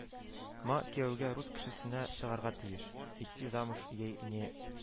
Ма кияүгә рус кешесенә чыгарга тиеш» («идти замуж ей не